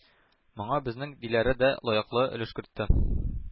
Моңа безнең диләрә дә лаеклы өлеш кертте.